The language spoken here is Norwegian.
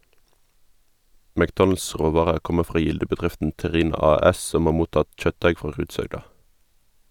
McDonalds råvarer kommer fra Gilde-bedriften Terina AS som har mottatt kjøttdeig fra Rudshøgda.